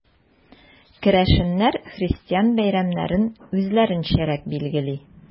Керәшеннәр христиан бәйрәмнәрен үзләренчәрәк билгели.